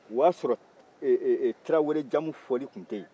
o y'a sɔrɔ tarawele jamu fɔli tun tɛ yen